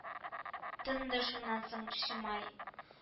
Тынды шуннан соң Шимай